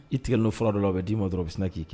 I tigɛ n' fɔlɔ dɔ a bɛ'i ma dɔrɔn bɛ n' k' kɛ